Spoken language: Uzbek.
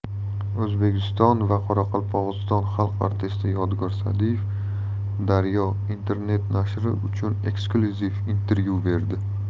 o'zbekiston va qoraqalpog'iston xalq artisti yodgor sa'diyev daryo internet nashri uchun eksklyuziv intervyu berdi